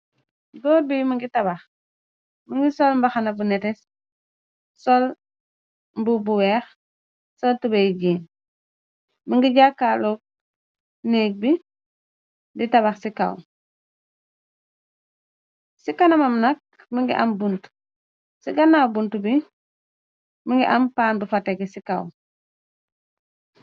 goor bi mi ngi tabax mi ngi sol mbaxana bu netes sol mbu bu weex sol tubey jiin mi ngi jàkkaalo nég bi di tabax ci kaw ci kanamam nak mi ngi am bunt ci ganaaw bunt bi mi ngi am paan bu fategi ci kaw